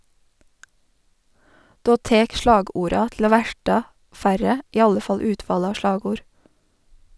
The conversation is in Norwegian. Då tek slagorda til å verta færre - i alle fall utvalet av slagord.